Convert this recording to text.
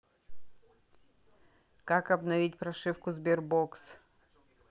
как обновить прошивку sberbox